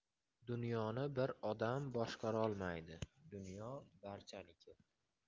dunyoni bir odam boshqarolmaydi dunyo barchaniki